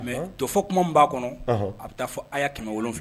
Mɛ dɔ fɔ tuma min b'a kɔnɔ a bɛ taa fɔ a y ye kɛmɛ wolon fili